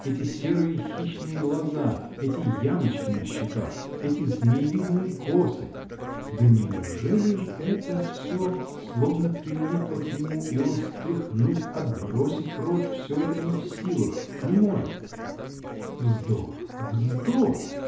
Эти серые хищные глаза, эти ямочки на щеках, эти змеевидные косы -- да неужели же это все словно прилипло к нему, и он стряхнуть, отбросить прочь все это не в силах, не может? Вздор! вздор!